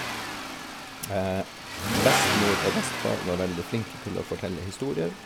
Bestemor og bestefar var veldig flinke til å fortelle historier.